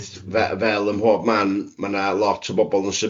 fe- fel ym mhob man, ma' 'na lot o bobl yn symud